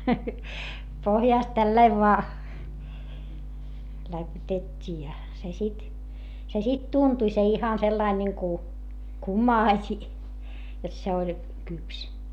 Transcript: pohjasta tällä lailla vain läpytettiin ja se sitten se sitten tuntui se ihan sellainen niin kuin kumasi jotta se oli kypsä